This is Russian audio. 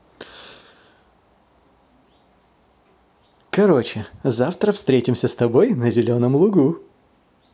короче завтра встретимся с тобой на зеленом лугу